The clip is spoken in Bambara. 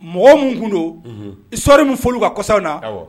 Mɔgɔ minnu tun don iɔri min foli ka kɔsaw na